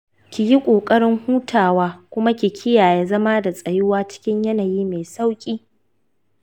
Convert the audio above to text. ki yi ƙoƙarin hutawa kuma ki kiyaye zama da tsayuwa cikin yanayi mai kyau.